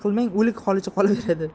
tarjima qilmang o'lik holicha qolaveradi